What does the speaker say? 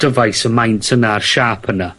...dyfais y maint yna a'r siâp yna.